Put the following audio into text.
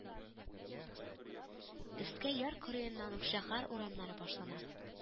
Өстә яр кырыеннан ук шәһәр урамнары башлана